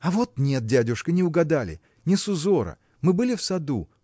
– А вот нет, дядюшка, не угадали: не с узора; мы были в саду.